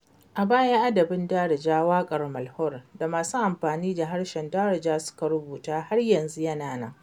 A baya, adabin Darija, waƙar Malhoun da masu amfani da harshen Darija suka rubuta har yanzu yana nan.